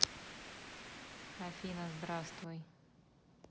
афина здравствуй